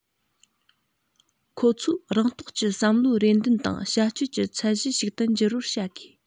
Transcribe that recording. ཁོང ཚོའི རང རྟོགས ཀྱི བསམ བློའི རེ འདུན དང བྱ སྤྱོད ཀྱི ཚད གཞི ཞིག ཏུ འགྱུར བར བྱ དགོས